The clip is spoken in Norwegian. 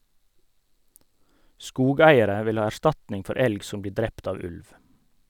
Skogeiere vil ha erstatning for elg som blir drept av ulv.